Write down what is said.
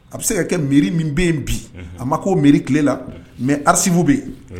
A bɛ se ka kɛ mairie min bɛ yen bi, unhun, a ma ko mairie tilela, unhun, mais archives bɛ yen.